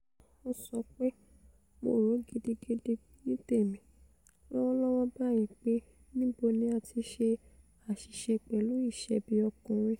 Ó sope ̣.'Mo rò gidigidi nítèmi, lọ́wọ́lọ́wọ́ báyìi pé - níbo ni a ti ṣe àṣ̀iṣe pẹ̵̀lú ìṣebí-ọkùnrin?’.